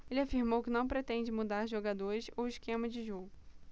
ele afirmou que não pretende mudar jogadores ou esquema de jogo